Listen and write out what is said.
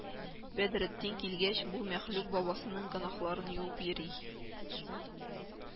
Бәдретдин килгәч Бу мәхлук бабасының гөнаһларын юып йөри